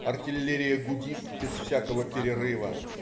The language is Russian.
Артиллерия гудит без всякого перерыва.